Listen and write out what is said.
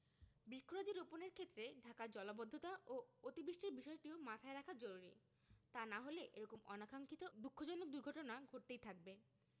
বৃক্ষরাজি রোপণের ক্ষেত্রে ঢাকার জলাবদ্ধতা ও অতি বৃষ্টির বিষয়টিও মাথায় রাখা জরুরী তা না হলে এ রকম অনাকাংক্ষিত দুঃখজনক দুর্ঘটনা ঘটতেই থাকবে